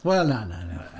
Wel, na, na, na, na.